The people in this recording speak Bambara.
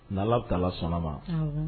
N' ala taa sɔnna ma